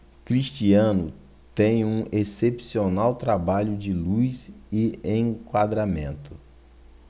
cristiano tem um excepcional trabalho de luz e enquadramento